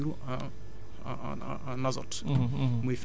dafa enrichir en en en en azote